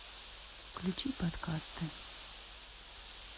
включи подкасты